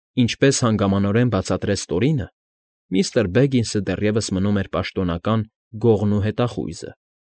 Ինչպես հանգամանորեն բացատրեց Տորինը, միստր Բեգինսը դեռևս մնում էր պաշտոնական Գողն ու Հետախույզը։